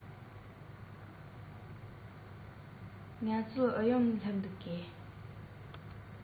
ལུས དང རྩ ཁམས ཐང ཐང དུ རྐྱོང ཞིང ཉམས དང སྣང བ དྭངས དྭངས སུ བསྐྱེད དེ དེ རང སྐལ གྱི ལས ལ འབུངས ཤིང མཆིས